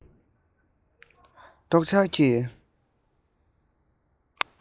རྟོག འཆར གྱི